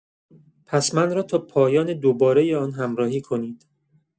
پس من را تا پایان دوباره آن همراهی کنید.